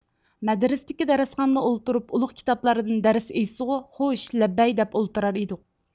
مەدرىستىكى دەرسخانىسىدا ئولتۇرۇپ ئۇلۇغ كىتابلاردىن دەرس ئېيتسىغۇ خوش لەببەي دەپ ئولتۇرار ئىدۇق